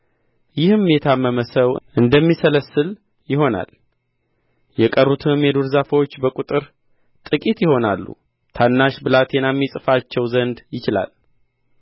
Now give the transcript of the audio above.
ይህም የታመመ ሰው እንደሚሰለስል ይሆናል የቀሩትም የዱር ዛፎች በቍጥር ጥቂት ይሆናሉ ታናሽ ብላቴናም ይጽፋቸው ዘንድ ይችላል